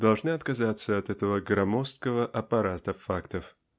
должны отказаться от этого громоздкого аппарата фактов.